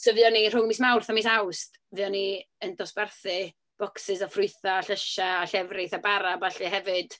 So fuon ni... rhwng mis Mawrth a mis Awst, fuon ni yn dosbarthu bocsys o ffrwythau, llysiau a llefrith a bara a ballu hefyd.